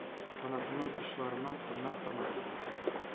Канатының очларыннан каннар тама,